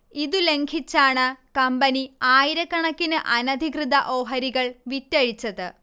ഇതു ലംഘിച്ചാണ് കമ്പനി ആയിരക്കണക്കിന് അനധികൃത ഓഹരികൾ വിറ്റഴിച്ചത്